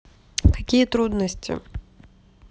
какие трудности